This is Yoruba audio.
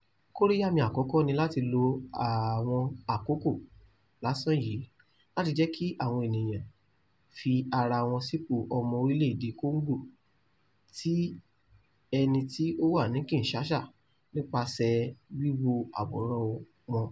Kóríyá mi àkọ́kọ́ ni láti lo àwọn àkókò lásán yìí, láti jẹ́ kí àwọn ènìyàn fi ara wọ́n sípò ọmọ orílẹ̀ èdè Congo, ti ẹni tí ó wà ní Kinshasa, nípasẹ̀ wíwo àwòrán wọn.